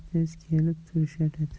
tez kelib turishar edi